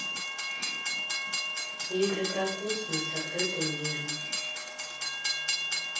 игры про космос с открытым миром